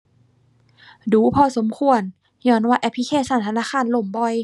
ดู๋พอสมควร ญ้อนว่าแอปพลิเคชันธนาคารล่มบ่อย